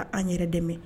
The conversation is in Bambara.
' anan yɛrɛ dɛmɛ